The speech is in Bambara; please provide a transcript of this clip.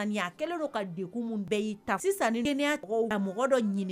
Kɛlen don kak bɛɛ y'i ta sisan ni mɔgɔ dɔ ɲini